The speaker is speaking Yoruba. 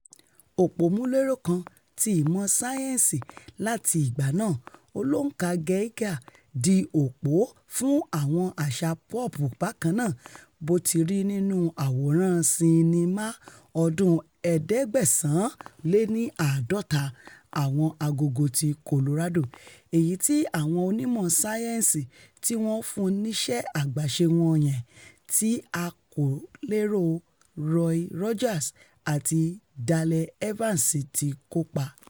Òpómúléró kan ti ìmọ̀ sáyẹ́ǹsì láti ìgbà náà, Olóǹkà Geiger di òpó fún àṣà pop bákannáà, bótirí nínú àwòrán sinnimá ọdún 1950 ''Àwọn Agogo ti Colorado,'' èyití àwọn onímọ̀ sáyẹ́nsì tíwọn fúnníṣe àgbàṣe wọ̀nyẹn tí a kò lérò ROY Rogers àti Dale Evans ti kópa: